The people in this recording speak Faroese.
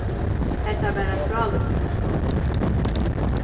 hetta var eitt frálíkt hugskot